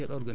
voilà